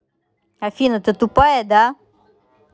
афина ты тупая да